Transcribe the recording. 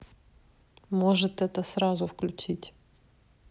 может это сразу включить